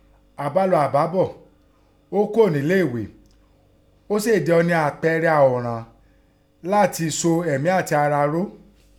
Àbálọ àbábọ̀, ó kúò nílé èghé, ó sèè di ọni àpẹẹrẹ àòrán láti so emí àti ara ró.